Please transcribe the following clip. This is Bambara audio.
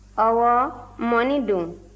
ɔwɔ mɔni don